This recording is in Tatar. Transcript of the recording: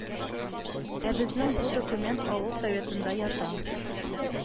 Ә безнең бу документ авыл Советында ята